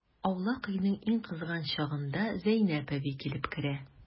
Аулак өйнең иң кызган чагында Зәйнәп әби килеп керә.